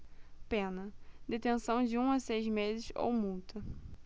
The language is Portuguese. pena detenção de um a seis meses ou multa